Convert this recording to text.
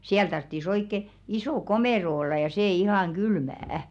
siellä tarvitsisi oikein iso komero olla ja se ihan kylmä